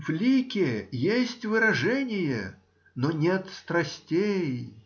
в лике есть выражение, но нет страстей.